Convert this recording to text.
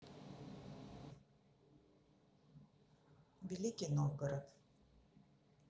великий новгород